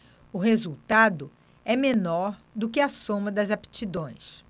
o resultado é menor do que a soma das aptidões